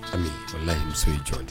An walayi muso ye jɔ di